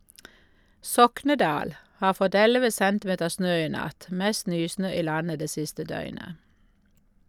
Soknedal har fått elleve centimeter snø i natt, mest nysnø i landet det siste døgnet.